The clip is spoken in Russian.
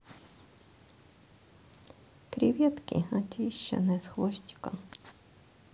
креветки очищенные с хвостиком